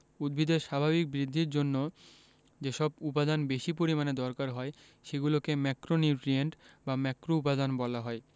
উদ্ভিদের স্বাভাবিক বৃদ্ধির জন্য যেসব উপাদান বেশি পরিমাণে দরকার হয় সেগুলোকে ম্যাক্রোনিউট্রিয়েন্ট বা ম্যাক্রোউপাদান বলা হয়